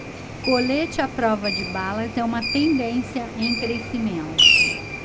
colete à prova de balas é uma tendência em crescimento